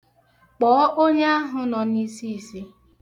Kpọọ onye ahụ nọ n'isiisi.